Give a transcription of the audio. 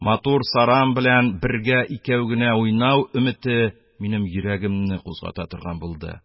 Матур сарам белән бергә, икәү генә уйнау өмете минем йөрәгемне кузгата торган булды.